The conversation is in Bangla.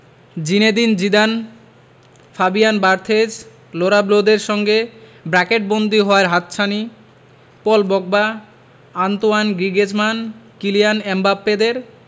জিনেদিন জিদান ফাবিয়ান বার্থেজ লঁরা ব্লদের সঙ্গে ব্র্যাকেটবন্দি হওয়ার হাতছানি Paul Pogba Antoine Griezmann Kylian এমবাপ্পেদের